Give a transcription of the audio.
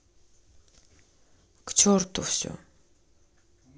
к черту все